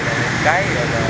là